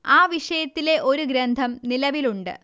ആ വിഷയത്തിലെ ഒരു ഗ്രന്ഥം നിലവിലുണ്ട്